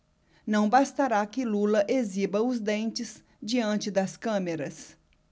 não bastará que lula exiba os dentes diante das câmeras